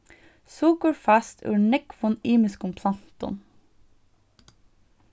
sukur fæst úr nógvum ymiskum plantum